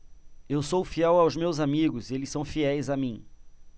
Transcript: eu sou fiel aos meus amigos e eles são fiéis a mim